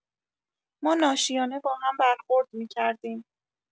ما ناشیانه باهم برخورد می‌کردیم.